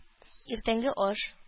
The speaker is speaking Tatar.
Иртәнге аш